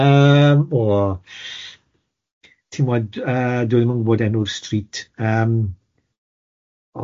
Yym o ti'mod yy dwi ddim yn gwbod enw'r stryd yym o